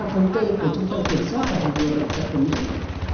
theo thống kê của trung tâm kiểm soát và phòng ngừa bệnh tật của mỹ